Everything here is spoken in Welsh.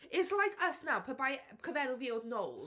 It's like us now, pe bai cyfenw fi oedd Knowles...